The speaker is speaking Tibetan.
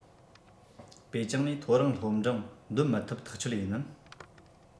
པེ ཅིང ནས མཐོ རིམ སློབ འབྲིང འདོན མི ཐུབ ཐག ཆོད ཡིན ནམ